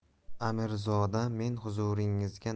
amirzodam men huzuringizga